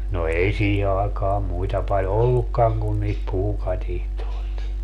no ei siihen aikaan muita paljon ollutkaan kuin niitä puukatitsoja